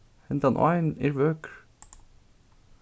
hendan áin er vøkur